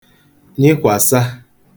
nyịkwàsa